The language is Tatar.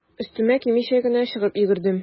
Өстемә кимичә генә чыгып йөгердем.